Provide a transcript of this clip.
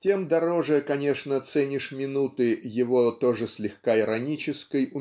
Тем дороже, конечно, ценишь минуты его тоже слегка иронической